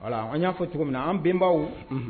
An y'a fɔ cogo min na an bɛnbaw